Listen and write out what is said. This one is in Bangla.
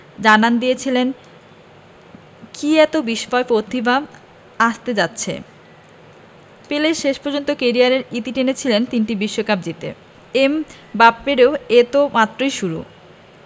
জানান দিয়েছিলেন কী এত বিস্ময় প্রতিভা আসতে যাচ্ছে পেলে শেষ পর্যন্ত ক্যারিয়ারের ইতি টেনেছিলেন তিনটি বিশ্বকাপ জিতে এমবাপ্পের এ তো মাত্রই শুরু